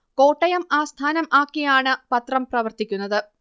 കോട്ടയം ആസ്ഥാനം ആക്കി ആണ് പത്രം പ്രവർത്തിക്കുന്നത്